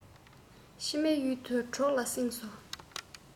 ཕྱི མའི ཡུལ དུ གྲོགས ལ བསྲིངས སོ